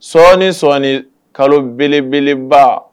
Sɔɔni ,sɔɔni kalo belebeleba